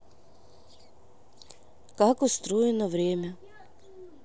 как устроено время